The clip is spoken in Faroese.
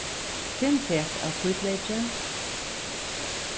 fimm fet av hvítleyki